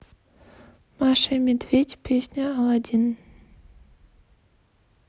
маша и медведь песня алладин